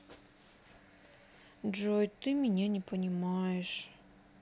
джой ты меня не понимаешь